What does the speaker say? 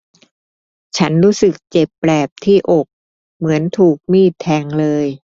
ฉันรู้สึกเจ็บแปลบที่อกเหมือนถูกมีดแทงเลย